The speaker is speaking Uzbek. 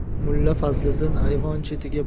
mulla fazliddin ayvon chetiga